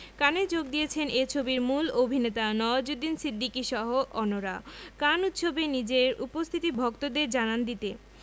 কানে যোগ দিয়েছেন এ ছবির মূল অভিনেতা নওয়াজুদ্দিন সিদ্দিকীসহ অন্যরা কান উৎসবে নিজের উপস্থিতি ভক্তদের জানান দিতে